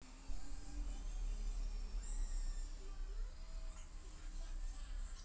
а вот у меня по математике пять по русскому пять пять у меня по окружающему пять пять у меня по четыре пять пять